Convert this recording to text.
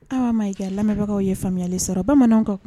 Awa Mayiga lamɛnbagaw ye faamuyali sɔrɔ bamananw ka